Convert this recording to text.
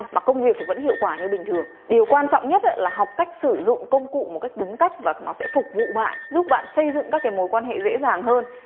mà công việc thì vẫn hiệu quả như bình thường điều quan trọng nhất là học cách sử dụng công cụ một cách đúng cách và nó sẽ phục vụ bạn giúp bạn xây dựng các cái mối quan hệ dễ dàng hơn